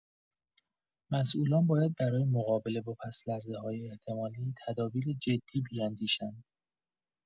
مسئولان باید برای مقابله با پس‌لرزه‌های احتمالی تدابیر جدی بیندیشند.